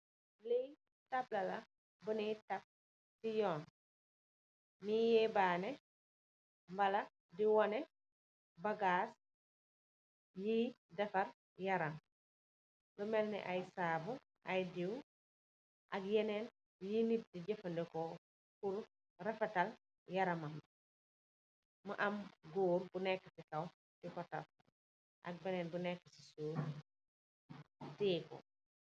Lii tap la la, bu neekë si yoon, di yéébaane, Wala di wane, liy defar yaram. Lu melni ay saabu, ay diiw, ak yeenen yu nit di jëfëndeko pur rafetal, yaramam. Mu am goor bu neekë si kow di ko taf ak benen bu neekë si suuf.